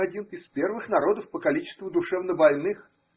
мы один из первых народов по количеству душевнобольных.